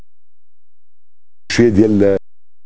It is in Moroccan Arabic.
فيديو